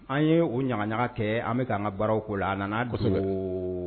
An y' o ɲagaɲa kɛ an bɛ k'an ka baaraw ko la a nana, kosɛbɛ